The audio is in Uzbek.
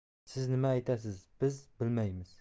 siz nima aytasiz biz bilmaymiz